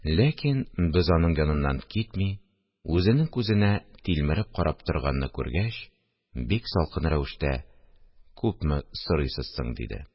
Ләкин без аның яныннан китми, үзенең күзенә тилмереп карап торганны күргәч, бик салкын рәвештә: – Күпме сорыйсыз соң? – диде